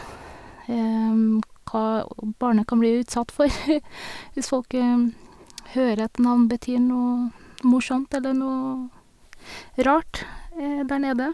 Hva o barnet kan bli utsatt for hvis folk hører at navn betyr noe morsomt eller noe rart der nede.